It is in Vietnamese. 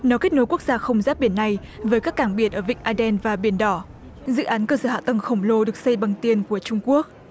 nó kết nối quốc gia không giáp biển này với các cảng biển ở vịnh a đen và biển đỏ dự án cơ sở hạ tầng khổng lồ được xây bằng tiền của trung quốc